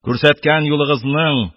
Күрсәткән юлыгызның,